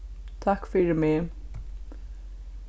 takk fyri meg